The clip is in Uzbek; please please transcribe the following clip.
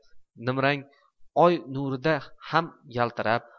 nimrang oy nurida dam yaltirab